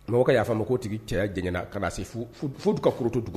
N dɔgɔkɛ y'a fɔ a ma ko tigi cɛya jɛɲana kana se foo fo fo dukakorotodugu